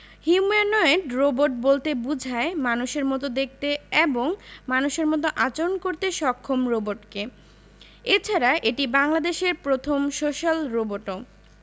humanoid robot বলতে বোঝায় মানুষের মতো দেখতে এবং মানুষের মতো আচরণ করতে সক্ষম রোবটকে এছাড়া এটি বাংলাদেশের প্রথম সোশ্যাল রোবটও